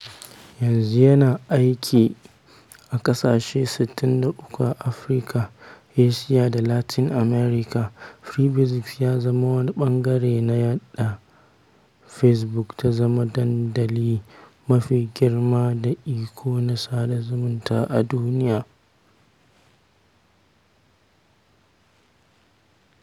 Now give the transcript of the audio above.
Yanzu yana aiki a ƙasashe 63 a Afrika, Asiya, da Latin Amurka, Free Basics ya zama wani ɓangare na yadda Facebook ta zama dandali mafi girma da iko na sada zumunta a duniya.